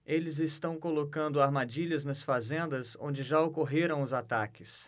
eles estão colocando armadilhas nas fazendas onde já ocorreram os ataques